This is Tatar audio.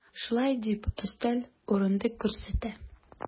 Шулай дип, өстәл, урындык күрсәтте.